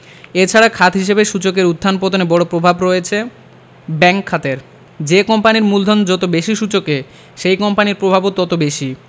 এ ছাড়া খাত হিসেবে সূচকের উত্থান পতনে বড় পভাব রয়েছে ব্যাংক খাতের যে কোম্পানির মূলধন যত বেশি সূচকে সেই কোম্পানির প্রভাবও তত বেশি